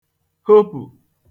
hopụ̀